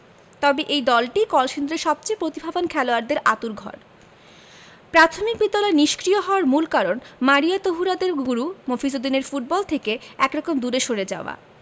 অথচ এই দলটিই কলসিন্দুরের সবচেয়ে প্রতিভাবান খেলোয়াড়দের আঁতুড়ঘর প্রাথমিক বিদ্যালয় নিষ্ক্রিয় হওয়ার মূল কারণ মারিয়া তহুরাদের গুরু মফিজ উদ্দিনের ফুটবল থেকে একরকম দূরে সরে যাওয়া